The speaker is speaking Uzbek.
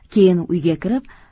keyin uyga kirib